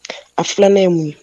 A filanan ye mun